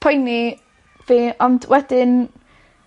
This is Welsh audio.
poeni fi ond wedyn